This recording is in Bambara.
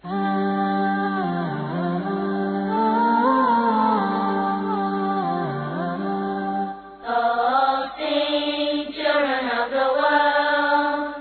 San y den ja yo wa